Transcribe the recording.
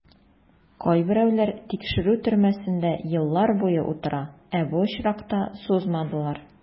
Кайберәүләр тикшерү төрмәсендә еллар буе утыра, ә бу очракта сузмадылар.